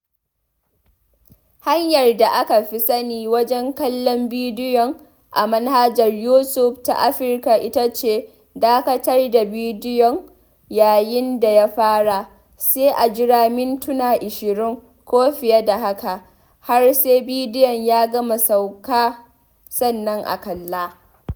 Hanyar da aka fi sani wajen kallo bidiyon a manhajar YouTube a Afirka ita ce dakatar da bidiyon yayin da ya fara, sai a jira mintuna 20 (ko fiye da haka) har sai bidiyon ya gama sauƙa, sannan a kalla.